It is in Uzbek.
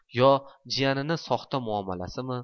yo jiyanining soxta muomalasimi